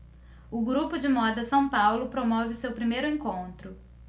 o grupo de moda são paulo promove o seu primeiro encontro